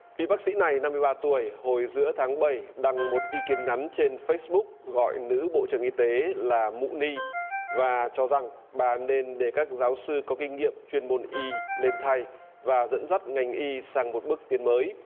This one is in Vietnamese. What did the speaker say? vị bác sĩ này năm mươi ba tuổi hồi giữa tháng bảy đặng một ý kiến ngắn trên phết búc gọi nữ bộ trưởng y tế là mũ ni và cho rằng bà nên để các giáo sư có kinh nghiệm chuyên môn y lên thay và dẫn dắt ngành y sang một bước tiến mới